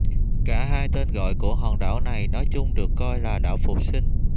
cả hai tên gọi của hòn đảo này nói chung được coi là đảo phục sinh